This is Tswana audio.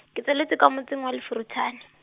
ke tse letse kwa motseng wa Lefurutshane.